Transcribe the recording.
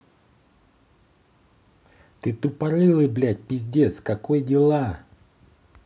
ты тупорылый блядь пиздец какой дела